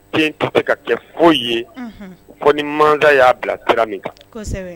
Den ka kɛ foyi ye ko ni mankan y'a bila kira min kan